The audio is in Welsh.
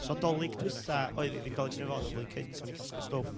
So dolig dwytha oedd hi, ddim dolig sy newydd fod ond flwyddyn cynt, so o'n i'n casglu stwff,